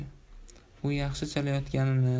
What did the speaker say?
u yaxshi chalayotganini